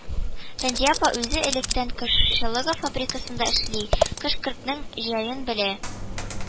Фәнзия апа үзе электән кошчылык фабрикасында эшли: кош-кортның җаен белә